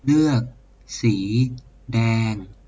เลือกสีแดง